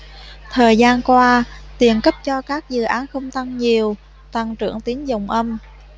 thời gian qua tiền cấp cho các dự án không tăng nhiều tăng trưởng tín dụng âm